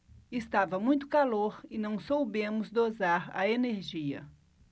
estava muito calor e não soubemos dosar a energia